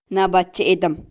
navbatchi edim